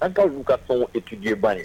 an ka'u ka tɔn etujɛba de